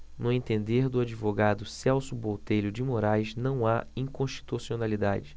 no entender do advogado celso botelho de moraes não há inconstitucionalidade